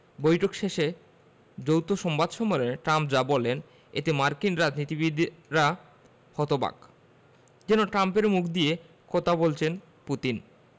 বৈঠক শেষে যৌথ সংবাদ সম্মেলনে ট্রাম্প যা বললেন এতে মার্কিন রাজনীতিবিদেরা হতবাক যেন ট্রাম্পের মুখ দিয়ে কথা বলছেন পুতিন